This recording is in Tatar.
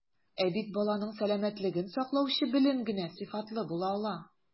Ә бит баланың сәламәтлеген саклаучы белем генә сыйфатлы була ала.